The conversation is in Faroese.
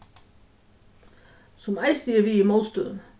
sum eisini er við í mótstøðuni